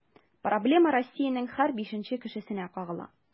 Проблема Россиянең һәр бишенче кешесенә кагыла.